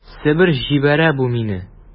Себер җибәрә бу мине...